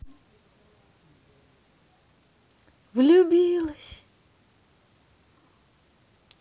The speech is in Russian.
влюбилась